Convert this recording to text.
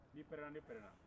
n'i pɛrɛnna ne pɛrɛnna